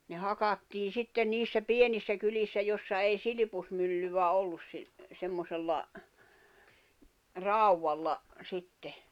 ne hakattiin sitten niissä pienissä kylissä jossa ei silppumyllyä ollut - semmoisella raudalla sitten